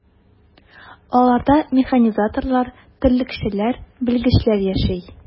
Аларда механизаторлар, терлекчеләр, белгечләр яши.